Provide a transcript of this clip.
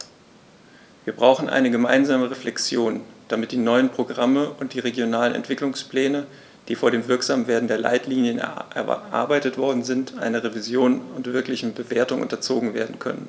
Wir brauchen eine gemeinsame Reflexion, damit die neuen Programme und die regionalen Entwicklungspläne, die vor dem Wirksamwerden der Leitlinien erarbeitet worden sind, einer Revision und wirklichen Bewertung unterzogen werden können.